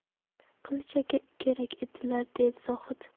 qilich aka kerak edilar dedi zohid